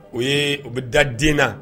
U ye u bɛ da den na